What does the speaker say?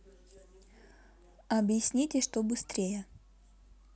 объясните что быстрее